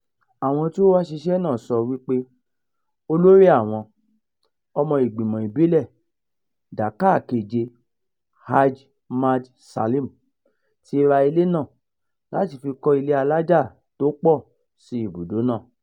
Àwọn tí ó wá ṣiṣẹ́ náà sọ wípé olóríi àwọn, ọmọ ìgbìmọ̀ ìbílẹ̀ (Dhaka-7) Haji Md. Salim, ti ra ilẹ̀ náà láti fi kọ́ ilé alájà tó pọ̀ sí ibùdó náà.